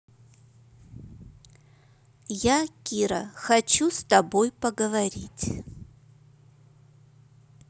я кира хочу с тобой поговорить